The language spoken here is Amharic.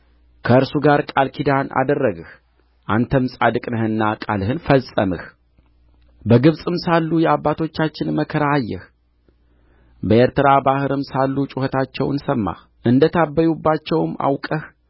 ከእርሱ ጋር ቃል ኪዳን አደረግህ አንተም ጻድቅ ነህና ቃልህን ፈጸምህ በግብጽም ሳሉ የአባታችንን መከራ አየህ በኤርትራ ባሕርም ሳሉ ጩኸታቸውን ሰማህ እንደ ታበዩባቸውም አውቀህ